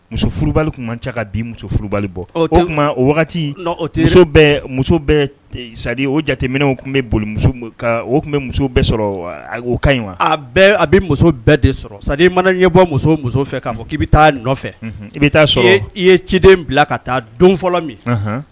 Musobali tun ca ka bin bɔ sa o jateminɛw tun bɛ o tun bɛ muso bɛɛ sɔrɔ ka ɲi wa a bɛ muso bɛɛ de sɔrɔ sa mana ɲɛ bɔ muso muso fɛ k'a fɔ k'i bɛ taa nɔfɛ i bɛ taa sɔrɔ i ye ciden bila ka taa don fɔlɔ min